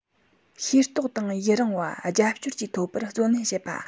ཤེས རྟོགས དང ཡི རང བ རྒྱབ སྐྱོར བཅས ཐོབ པར བརྩོན ལེན བྱེད པ